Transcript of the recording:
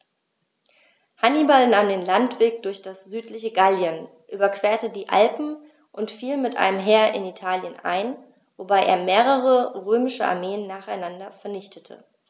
Hannibal nahm den Landweg durch das südliche Gallien, überquerte die Alpen und fiel mit einem Heer in Italien ein, wobei er mehrere römische Armeen nacheinander vernichtete.